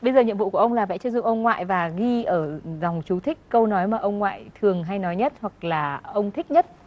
bây giờ nhiệm vụ của ông là vẽ chân dung ông ngoại và ghi ở dòng chú thích câu nói mà ông ngoại thường hay nói nhất hoặc là ông thích nhất